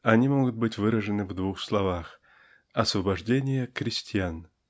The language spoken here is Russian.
они могут быть выражены в двух словах -- освобождение крестьян.